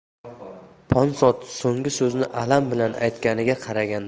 ponsod so'nggi so'zni alam bilan aytganiga